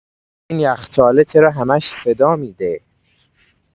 این یخچاله چرا همش صدا می‌ده؟